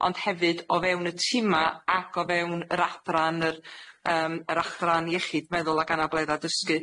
ond hefyd o fewn y tima ac o fewn yr adran yr yym yr Achran Iechyd Meddwl ag Anabledda Dysgu.